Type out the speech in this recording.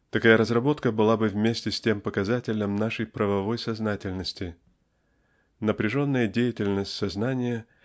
Такая разработка была бы вместе с тем показателем нашей правовой сознательности. Напряженная деятельность сознания